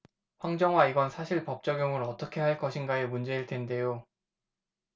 황정화 이건 사실 법 적용을 어떻게 할 것인가의 문제일 텐데요